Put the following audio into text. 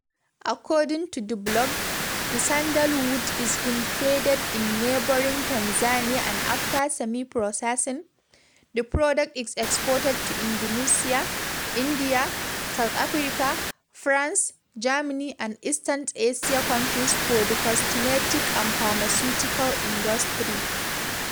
According to the blog, the sandalwood is being traded in neighboring Tanzania and after semi-processing, the product is exported “to Indonesia, India, South Africa, France, Germany and eastern Asia countries for the cosmetic and pharmaceutical industry”.